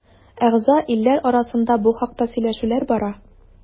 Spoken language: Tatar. Әгъза илләр арасында бу хакта сөйләшүләр бара.